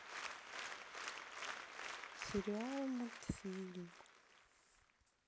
сериал мультфильм